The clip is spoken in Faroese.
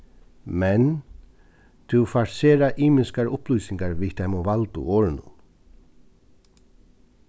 men tú fært sera ymiskar upplýsingar við teimum valdu orðunum